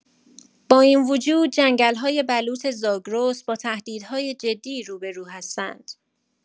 با این وجود، جنگل‌های بلوط زاگرس با تهدیدهای جدی روبه‌رو هستند.